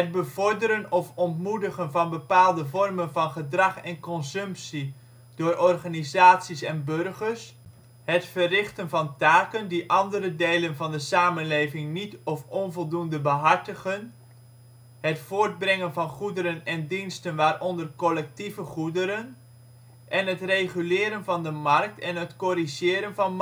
bevorderen of ontmoedigen van bepaalde vormen van gedrag en consumptie door organisaties en burgers. Het verrichten van taken die andere delen van de samenleving niet of onvoldoende behartigen. Het voortbrengen van goederen en diensten waaronder collectieve goederen. Het reguleren van de markt en het corrigeren van